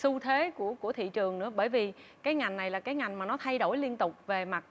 xu thế của của thị trường nữa bởi vì cái ngành này là cái ngành mà nó thay đổi liên tục về mặt